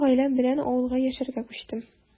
Мин гаиләм белән авылга яшәргә күчтем.